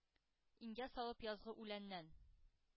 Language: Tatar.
Иңгә салып, язгы үләннән